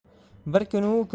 bir kuni u ko'chada